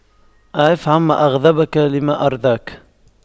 اعف عما أغضبك لما أرضاك